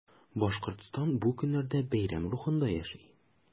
Башкортстан бу көннәрдә бәйрәм рухында яши.